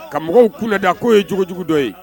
Ka mɔgɔw kunnada k'o ye jugujugu dɔ ye